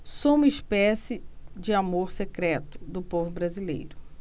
sou uma espécie de amor secreto do povo brasileiro